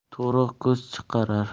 to'riq ko'z chiqarar